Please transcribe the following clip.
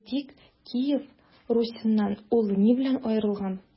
Әйтик, Киев Русеннан ул ни белән аерылган?